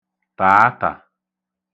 tàatà